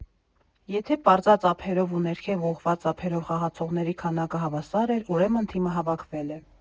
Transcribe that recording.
Եթե պարզած ափերով ու ներքև ուղղված ափերով խաղացողների քանակը հավասար էր, ուրեմն թիմը հավաքվել է։